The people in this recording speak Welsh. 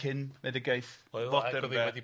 Cyn meddygaeth fodern de.